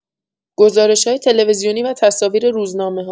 گزارش‌های تلویزیونی و تصاویر روزنامه‌ها